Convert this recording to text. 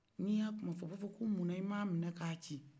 n'i y'a kuma fɔ u b'a fɔ ko mun na i m'a mina k'a ci